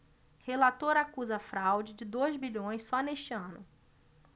relator acusa fraude de dois bilhões só neste ano